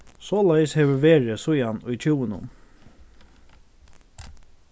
soleiðis hevur verið síðan í tjúgunum